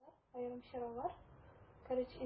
3 бүлекне үз көчен югалткан дип танырга.